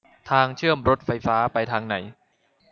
ทางเชื่อมรถไฟฟ้าไปทางไหน